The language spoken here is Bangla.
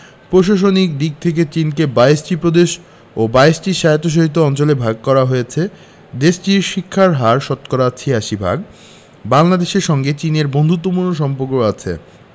প্রশাসনিক দিক থেকে চিনকে ২২ টি প্রদেশ ও ২২ টি স্বায়ত্তশাসিত অঞ্চলে ভাগ করা হয়েছে দেশটির শিক্ষার হার শতকরা ৮৬ ভাগ বাংলাদেশের সঙ্গে চীনের বন্ধুত্বপূর্ণ সম্পর্ক আছে